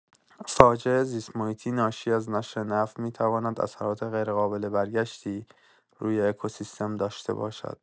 فاجعه زیست‌محیطی ناشی از نشت نفت می‌تواند اثرات غیرقابل‌برگشتی روی اکوسیستم داشته باشد.